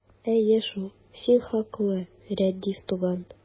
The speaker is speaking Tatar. Әйе шул, син хаклы, Рәдиф туган!